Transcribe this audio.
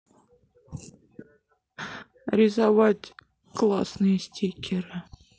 рисовать классные стикеры